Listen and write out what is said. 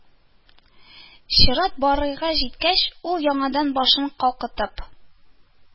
Чират Барыйга җиткәч, ул яңадан башын калкытып